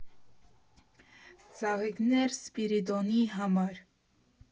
Ծաղիկներ Սպիրիդոնի համար։